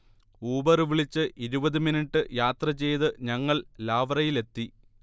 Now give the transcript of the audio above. ഊബറുവിളിച്ച് ഇരുപത് മിനിറ്റ് യാത്ര ചെയ്ത് ഞങ്ങൾ ലാവ്റയിലെത്തി